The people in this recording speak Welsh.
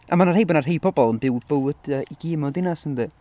A mae 'na rhaid bod 'na rhai pobl yn byw bywydau i gyd mewn dinas yndyn?